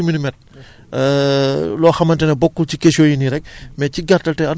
tay la Louga njëkk a taw maanaam tay am nañu trente cinq milimètre